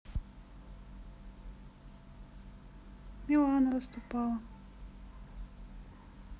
милана выступала